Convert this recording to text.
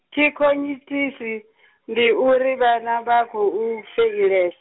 thikhonyitisi , ndi uri vhana vha khou, feiles-.